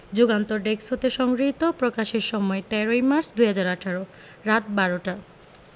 যুগান্তর ডেক্স হতে সংগৃহীত প্রকাশের সময় ১৩ ই মার্চ ২০১৮ রাত ১২:০০ টা